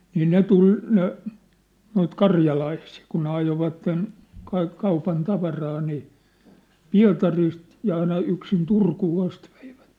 niin ne tuli ne noita karjalaisia kun ne ajoivat kaikki kaupan tavaraa niin Pietarista ja aina yksin Turkuun asti veivät